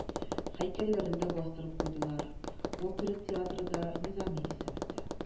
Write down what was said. Һәйкәлләрен дә бастырып куйдылар, опера театры да Низами исемендә.